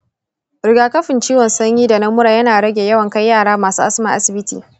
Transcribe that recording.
rigakafin ciwon sanyi da na mura suna rage yawan kai yara masu asma asibiti.